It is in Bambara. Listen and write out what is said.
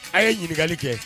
A' ye ɲininkali kɛ